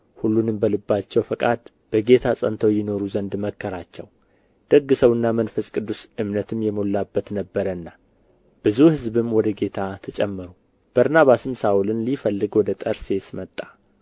ሁሉንም በልባቸው ፈቃድ በጌታ ጸንተው ይኖሩ ዘንድ መከራቸው ደግ ሰውና መንፈስ ቅዱስ እምነትም የሞላበት ነበረና ብዙ ሕዝብም ወደ ጌታ ተጨመሩ በርናባስም ሳውልን ሊፈልግ ወደ ጠርሴስ መጣ